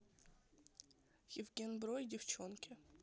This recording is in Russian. евген бро и девченки